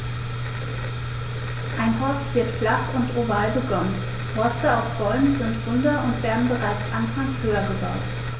Ein Horst wird flach und oval begonnen, Horste auf Bäumen sind runder und werden bereits anfangs höher gebaut.